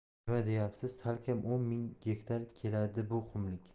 nima deyapsiz salkam o'n ming gektar keladi bu qumlik